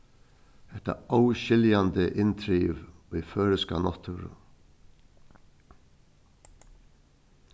hetta óskiljandi inntriv í føroyska náttúru